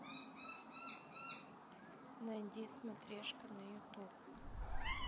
найди смотрешка на ютуб